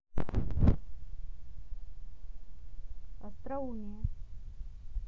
остроумие